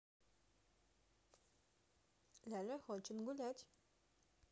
ляля хочет гулять